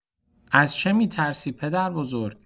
از چه می‌ترسی پدربزرگ؟